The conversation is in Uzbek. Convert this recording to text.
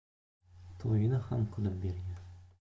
to'yini ham qilib bergan